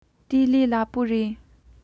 དེ ལས སླ པོ རེད